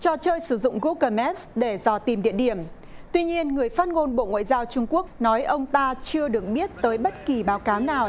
trò chơi sử dụng gu gồ máp để dò tìm địa điểm tuy nhiên người phát ngôn bộ ngoại giao trung quốc nói ông ta chưa được biết tới bất kỳ báo cáo nào